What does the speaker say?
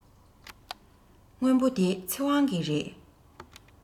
སྔོན པོ འདི ཚེ དབང གི རེད